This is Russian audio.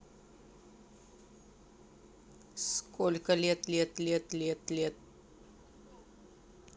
сколько лет лет лет лет лет